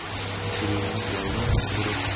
intervyuni daryo muxbiri